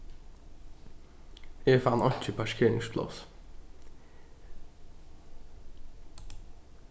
eg fann einki parkeringspláss